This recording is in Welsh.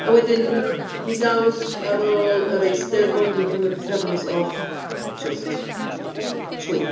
A wedyn... ie... mis Awst ar ôl yr Eisteddfod dwi'n cymryd pythefnos off a jyst chill.